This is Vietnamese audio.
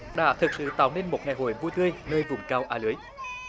đã thực sự tạo nên một ngày hội vui tươi nơi vùng cao a lưới